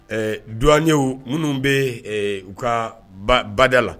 Ɛ dunanwayew minnu bɛ u ka bada la